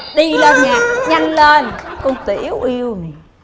đi lên nhà nhanh lên con tiểu yêu này